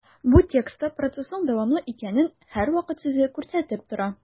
Бу текстта процессның дәвамлы икәнлеген «һәрвакыт» сүзе күрсәтеп тора.